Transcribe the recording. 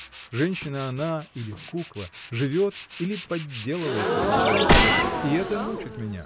Женщина она или кукла, живет или подделывается под жизнь? И это мучит меня.